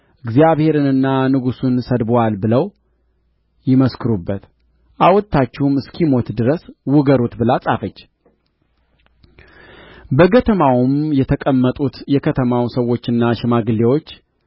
እግዚአብሔርንና ንጉሡን ሰድቦአል ብለው ይመስክሩበት አውጥታችሁም እስኪሞት ድረስ ውገሩት ብላ ጻፈች በከተማውም የተቀመጡት የከተማው ሰዎችና ሽማግሌዎች